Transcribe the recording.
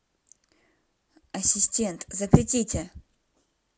ассистент запретите